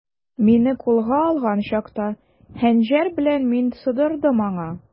Мине кулга алган чакта, хәнҗәр белән мин сыдырдым аңа.